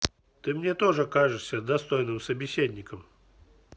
ты мне тоже кажешься достойным собеседником